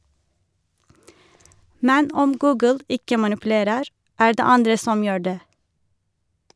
Men om Google ikke manipulerer, er det andre som gjør det.